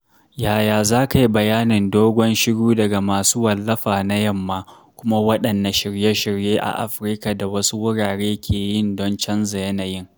Yaya za kai bayanin dogon shiru daga masu wallafa na Yamma, kuma waɗanne shirye-shirye a Afirka da wasu wurare ke yin don canza yanayin?